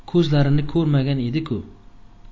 ko'zlarini ko'rmagan edi ku